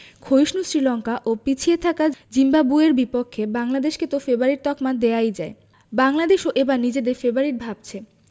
ক্ষয়িষ্ণু শ্রীলঙ্কা ও পিছিয়ে থাকা জিম্বাবুয়ের বিপক্ষে বাংলাদেশকে তো ফেবারিট তকমা দেয়াই যায় বাংলাদেশও এবার নিজেদের ফেবারিট ভাবছে